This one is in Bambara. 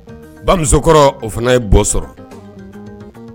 Ba musokɔrɔ o fana ye bo sɔrɔ